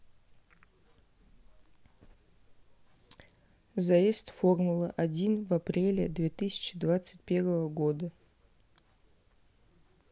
заезд формулы один в апреле две тысячи двадцать первого года